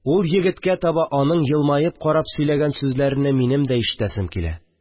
Ул егеткә таба аның елмаеп карап сөйләгән сүзләрене минем дә ишетәсем килә